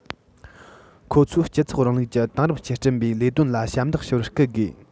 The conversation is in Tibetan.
ཁོ ཚོས སྤྱི ཚོགས རིང ལུགས ཀྱི དེང རབས ཅན སྐྲུན པའི ལས དོན ལ ཞབས འདེགས ཞུ བར སྐུལ དགོས